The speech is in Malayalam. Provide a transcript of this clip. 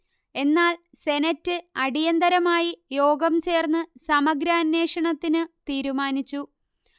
എന്നാൽ സെനറ്റ് അടിയന്തരമായി യോഗം ചേർന്ന് സമഗ്രാന്വേഷണത്തിന് തീരുമാനിച്ചു